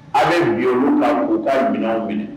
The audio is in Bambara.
An bɛ muy' kaugu ka minɛnw fili